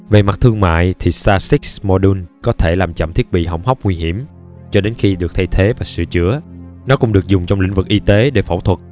về mặt thương mại thì stasis modules có thể làm chậm thiết bị hỏng hóc nguy hiểm cho đến khi được thay thế và sửa chữa nó cũng được dùng trong lĩnh vực y tế để phẫu thuật